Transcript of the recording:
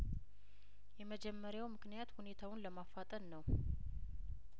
የመጀመሪያው ምክንያት ሁኔታውን ለማፋጠን ነው